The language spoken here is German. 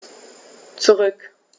Zurück.